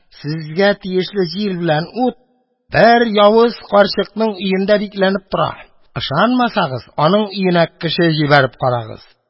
Сезгә тиешле җил белән ут бер явыз карчыкның өендә бикләнеп тора, ышанмасагыз, аның өенә кеше җибәреп карагыз.